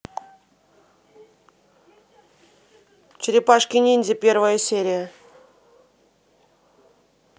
черепашки ниндзя первая серия